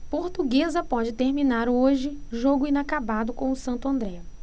portuguesa pode terminar hoje jogo inacabado com o santo andré